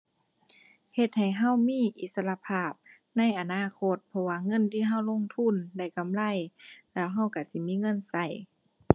เฮ็ดให้เรามีอิสรภาพในอนาคต เพราะว่าเงินที่เราลงทุนได้กำไร แล้วเราเราสิมีเงินเรา